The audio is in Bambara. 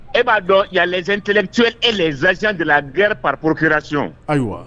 E b'a dɔn yan lajɛzɛn kelencɛ e z dela gɛrɛ papurkirasiɔn ayiwa